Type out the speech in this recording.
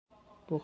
bu haqda